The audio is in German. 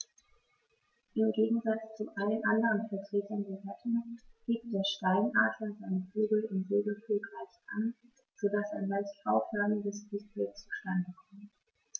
Im Gegensatz zu allen anderen Vertretern der Gattung hebt der Steinadler seine Flügel im Segelflug leicht an, so dass ein leicht V-förmiges Flugbild zustande kommt.